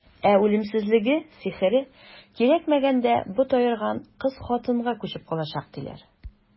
Ә үлемсезлеге, сихере кирәкмәгәндә бот аерган кыз-хатынга күчеп калачак, диләр.